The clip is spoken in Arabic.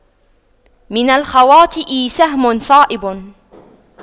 من الخواطئ سهم صائب